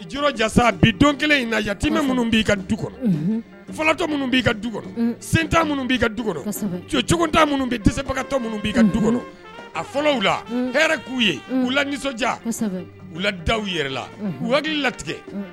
Jaasa bi don kelen in na yatimɛ minnu b'i ka du kɔnɔ fɔlɔtɔ minnu b'i ka du kɔnɔ sentan minnu b'i ka du kɔnɔ jɔ cogotan minnu bɛ sebagatɔ minnu b'i ka du kɔnɔ a fɔlɔw la hɛrɛ k'u ye u la nisɔndiya u la da yɛrɛ la u wa hakili latigɛ